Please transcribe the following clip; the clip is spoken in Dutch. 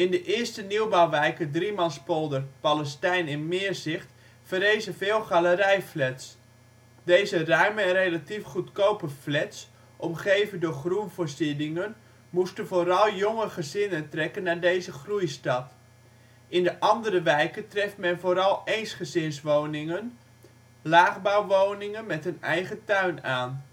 de eerste nieuwbouwwijken Driemanspolder, Palenstein en Meerzicht verrezen veel galerijflats. Deze ruime en relatief goedkope flats, omgeven door groenvoorzieningen, moesten vooral jonge gezinnen trekken naar deze groeistad. In de andere wijken treft men vooral eengezinswoningen, laagbouw woningen met een eigen tuin aan